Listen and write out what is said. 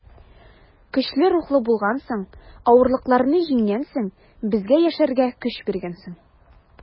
Көчле рухлы булгансың, авырлыкларны җиңгәнсең, безгә яшәргә көч биргәнсең.